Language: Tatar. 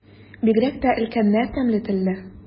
Бигрәк тә өлкәннәр тәмле телле.